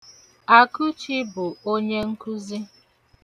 Akụchi bụ onye nkuzi.